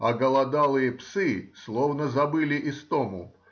Оголодалые псы словно забыли истому